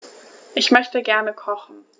Ich möchte gerne kochen.